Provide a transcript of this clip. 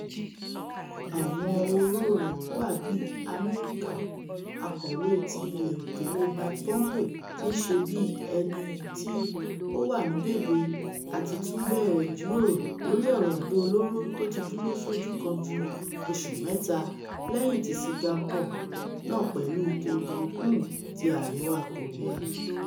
Àwọn ọ̀rọ̀ rẹ̀ wá bí US. Akọwe ti Ilẹ̀ Òkèèrè Mike Pompeo ti ńṣe bí ẹnití ó wà ní bèbe àtítúnbẹ̀rẹ̀ ìjíròrò lórí ọ̀rọ̀ àdó olóró tóti dúró sójú kan ju oṣù mẹ́ta lẹ́yìn ti Singapore náà pẹ̀lú Kim Jong Un ti Àríwá Kòríà.